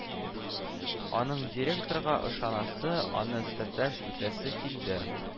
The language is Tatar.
Аның директорга ышанасы, аны сердәш итәсе килде